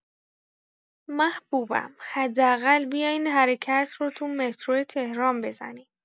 محبوبم حداقل بیا این حرکت رو تو مترو تهران بزنیم.